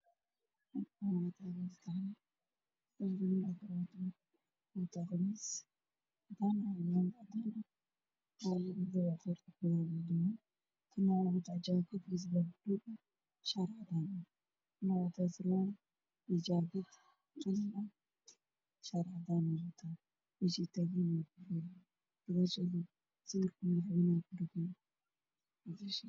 Halkaan waxaa ka muuqdo sadex nin mid uu qabo qamiis cad iyo cimaamad cad midna uu qabo suit buluug iyo shaati cadaan ah mid kalena uu qabo suit cadays ah iyo shaati cadaan ah